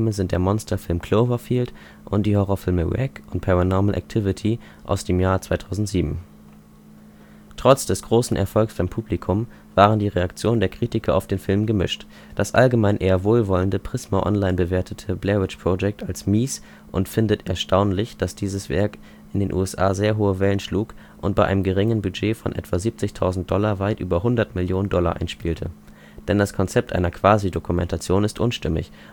sind der Monsterfilm Cloverfield und die Horrorfilme [REC] und Paranormal Activity aus dem Jahr 2007. Trotz des großen Erfolgs beim Publikum waren die Reaktionen der Kritiker auf den Film gemischt. Das allgemein eher wohlwollende prisma-online bewertet Blair Witch Project als „ mies “und findet „ [e] rstaunlich, dass dieses Werk in den USA sehr hohe Wellen schlug und bei einem geringen Budget von etwa 70.000 Dollar weit über 100 Millionen Dollar einspielte. Denn das Konzept einer Quasi-Dokumentation ist unstimmig